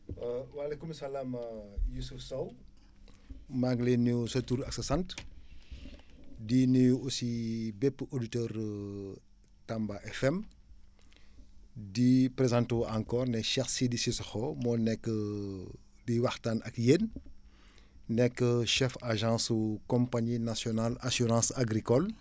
waaleykum salaam Youssouphe Sow maa ngi lay nuyu sa tur ak sa sant di nuyu aussi bépp auditeur Tamba FM di présenter wu encore ne Cheikh Sidy Cissokho moo nekk di waxtaan ak yéen nekk chef agence su compagnie nationale assurance agricole